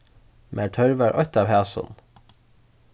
mær tørvar eitt av hasum